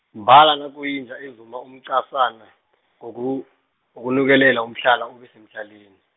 mbala nakuyinja ezuma umqasana, ngoku- ngokunukelela umtlhala ube semtlhaleni.